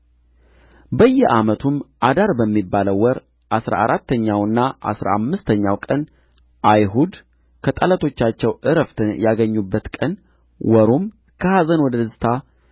በየዓመቱም አዳር በሚባለው ወር አሥራ አራተኛውና አሥራ አምስተኛው ቀን አይሁድ ከጠላቶቻቸው ዕረፍትን ያገኙበት ቀን ወሩም ከኀዘን ወደ ደስታ